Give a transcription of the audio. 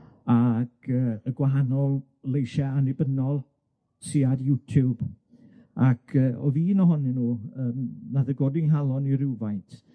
ag yy y gwahanol leisia' annibynnol sy ar YouTube ac yy o'dd un ohonyn nw yym nath e godi'n nghalon i rywfaint